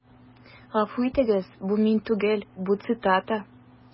Гафу итегез, бу мин түгел, бу цитата.